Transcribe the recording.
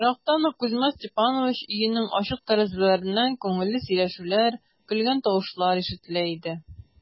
Ерактан ук Кузьма Степанович өенең ачык тәрәзәләреннән күңелле сөйләшүләр, көлгән тавышлар ишетелә иде.